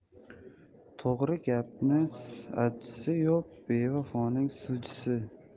to'g'ri gapning ajjisi yo'q bevafoning sujjisi